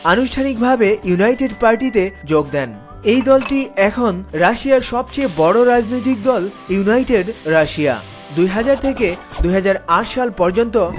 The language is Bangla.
আনুষ্ঠানিভাবে ইউনাইটেড পার্টিতে যোগ দেন এই দলটি এখন রাশিয়ার সবচেয়ে বড় রাজনৈতিক দল ইউনাইটেড রাশিয়া ২০০০ থেকে ২০০৮ সাল পর্যন্ত